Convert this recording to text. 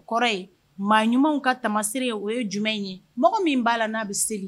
O kɔrɔ ye maa ɲumanw ka tamasiere ye o ye jumɛn in ye mɔgɔ min b'a la n'a bɛ seli